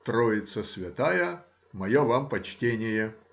Троица Святая,— мое вам почтение